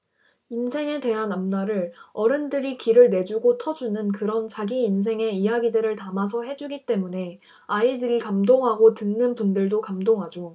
인생에 대한 앞날을 어른들이 길을 내주고 터주는 그런 자기 인생의 이야기들을 담아서 해주기 때문에 아이들이 감동하고 듣는 분들도 감동하죠